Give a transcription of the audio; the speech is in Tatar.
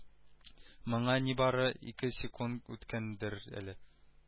Моңа нибары ике секунд үткәндер әле